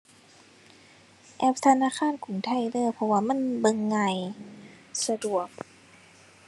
แอปธนาคารกรุงไทยเด้อ เพราะว่ามันเบิ่งง่าย สะดวก